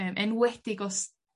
Yym enwedig os